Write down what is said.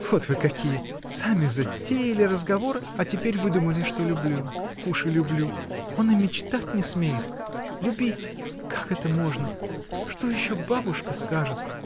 Вот вы какие: сами затеяли разговор, а теперь выдумали, что люблю. Уж и люблю! Он и мечтать не смеет! Любить — как это можно! Что еще бабушка скажет?